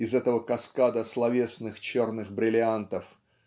из этого каскада словесных черных бриллиантов